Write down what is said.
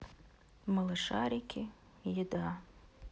малышарики еда